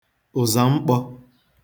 ụzam̀kpọ̀